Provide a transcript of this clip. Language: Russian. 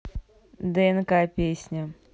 днк песня